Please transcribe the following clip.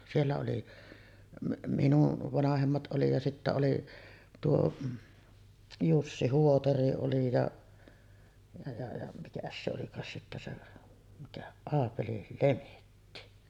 siellä oli minun vanhemmat oli ja sitten oli tuo Jussi Huotari oli ja ja ja ja mikäs se olikaan sitten se mikä Aapeli Lemetti